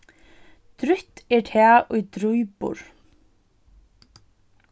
drúgt er tað ið drýpur